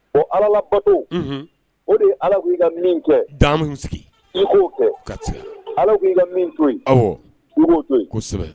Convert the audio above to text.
Bon Ala labato o de ye Ala ko i ka min kɛ dan minnu sigi i k'o kɛ kati Ala ko 'i ka min to yen, i b'o to yen kosɛbɛ